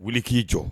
Wuli k'i jɔ